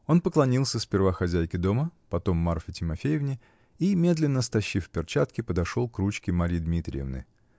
Он поклонился сперва хозяйке дома, потом Марфе Тимофеевне и, медленно стащив перчатки, подошел к ручке Марьи Дмитриевны.